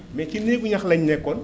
mais ci néegu ñax lañ nekkoon